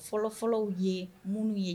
Fɔlɔfɔlɔ ye minnu ye